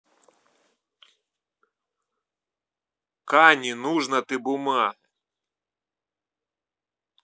kanye нужно ты бумага